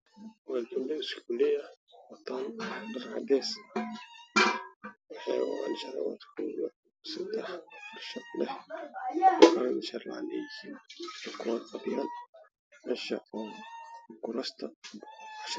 Waa iskuul sare waxaa fadhiyay gabdho waxa ay qaadanayaan cajar xijaabo cadays ayey wataan kuraasta ay ku fadhiyaan